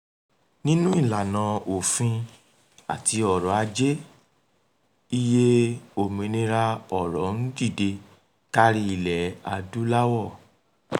Nínú ìlànà òfin àti ọ̀rọ̀ Ajé, iye òmìnira ọ̀rọ̀ ń dìde kárí Ilẹ̀-Adúláwọ̀.